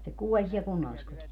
se kuoli siellä kunnalliskodissa